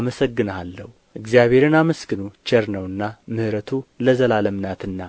አመሰግንሃለሁ እግዚአብሔርን አመስግኑ ቸር ነውና ምሕረቱ ለዘላለም ናትና